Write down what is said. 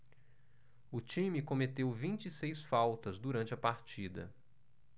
o time cometeu vinte e seis faltas durante a partida